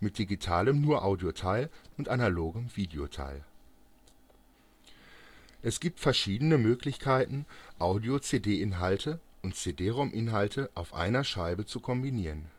digitalem Nur-Audio-Teil und analogem Video-Teil. Es gibt verschiedene Möglichkeiten, Audio-CD-Inhalte und CD-ROM-Inhalte auf einer Scheibe zu kombinieren